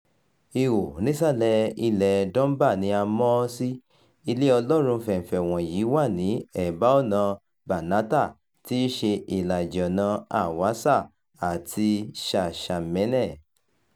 Ihò nísàlẹ̀ ilẹ̀ẹ Dunbar ni a mọ̀ ọ́ sí, ilé Ọlọ́run fẹ̀nfẹ̀ wọ̀nyí wà ní ẹ̀bá ọ̀nàa Banatah tí í ṣe ìlàjì ọ̀nàa Hawassa àti Shashamene.